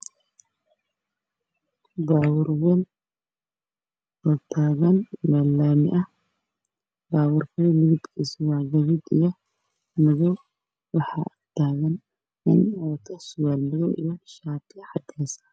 Waa gaari weyn oo midabkiis yahay guduud oo laami taagan